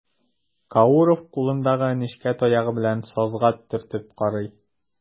Кауров кулындагы нечкә таягы белән сазга төртеп карый.